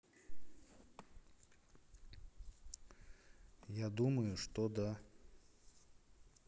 я думаю что да